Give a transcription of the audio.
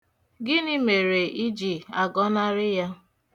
Gịnị mere ị ji agọnarị ya?